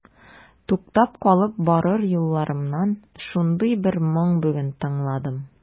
Туктап калып барыр юлларымнан шундый бер моң бүген тыңладым.